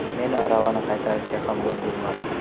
men aravani qaytarishga ham ulgurmadim